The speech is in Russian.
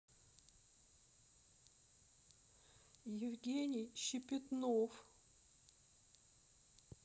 евгений щепетнов